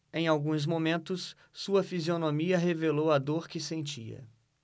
em alguns momentos sua fisionomia revelou a dor que sentia